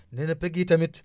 nee na pegg yi tamit